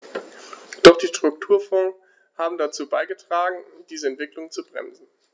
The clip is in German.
Doch die Strukturfonds haben dazu beigetragen, diese Entwicklung zu bremsen.